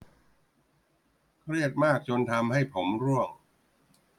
เครียดมากจนทำให้ผมร่วง